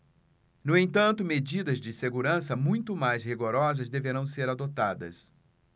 no entanto medidas de segurança muito mais rigorosas deverão ser adotadas